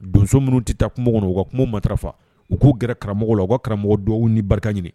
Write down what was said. Donso minnu tɛ taa kungo kɔnɔ u ka kungo matarafa. U k'u gɛrɛ karamɔgɔw la u ka karamɔgɔ dugawu ni barika ɲini.